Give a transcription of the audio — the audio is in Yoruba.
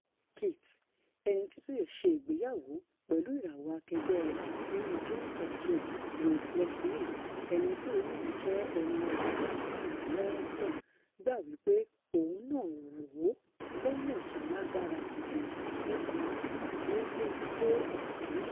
Kit, ẹnití ó ṣẹ̀ṣẹ̀ ṣe ìgbéyàwó pẹ̀lú ìràwọ akẹgbẹ́ rẹ̵̀ nínú Games of Thrones Rose Leslie, ẹnití òun náà jẹ́ ẹni ọdún mọ́kànlélọ́gbọ̀n, gbà wí pé òun náà rò 'lọ́nà tólágbára gidi' nípa mímójútó ọ̀rọ̀ náà.